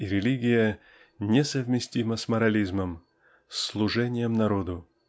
и религия--несовместимо с морализмом с служением народу